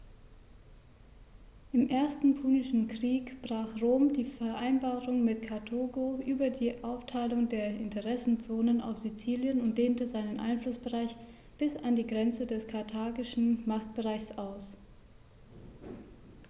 Im Ersten Punischen Krieg brach Rom die Vereinbarung mit Karthago über die Aufteilung der Interessenzonen auf Sizilien und dehnte seinen Einflussbereich bis an die Grenze des karthagischen Machtbereichs aus.